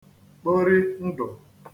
kpori ndụ̀